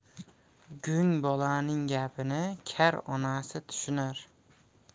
gung bolaning gapini kar onasi tushunar